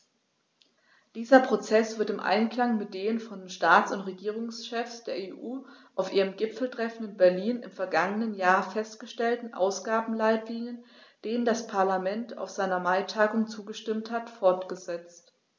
Dieser Prozess wird im Einklang mit den von den Staats- und Regierungschefs der EU auf ihrem Gipfeltreffen in Berlin im vergangenen Jahr festgelegten Ausgabenleitlinien, denen das Parlament auf seiner Maitagung zugestimmt hat, fortgesetzt.